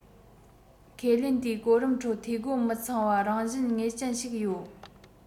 ཁས ལེན ལྟའི གོ རིམ ཁྲོད འཐུས སྒོ མི ཚང བ རང བཞིན ངེས ཅན ཞིག ཡོད